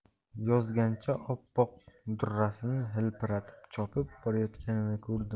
yozgancha oppoq durrasini hilpiratib chopib borayotganini ko'rdim